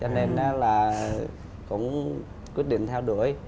cho nên á là cũng quyết định theo đuổi